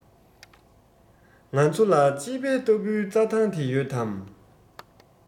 ང ཚོ ལ དཔྱིད དཔལ ལྟ བུའི རྩ ཐང དེ ཡོད དམ